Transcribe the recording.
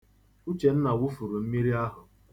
Uchenna wụfuru mmiri ahụ.